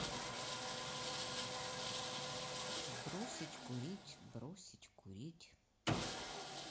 бросить курить бросить курить